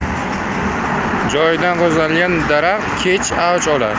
joyidan qo'zg'algan daraxt kech ayj olar